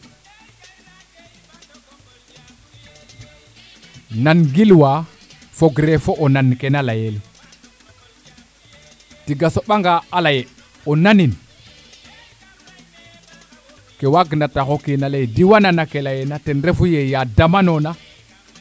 nan gilwa fogre fo o nan kena leyel tiga soɓa nga a leye o nanin ke waag na tax o kiina leye diwa nana kee leyena ten refu ye ya damanona